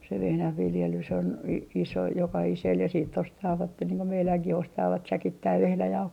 se vehnänviljelys on - iso jokaiselle ja sitten ostavat niin kuin meidänkin ostavat säkittäin vehnäjauhoja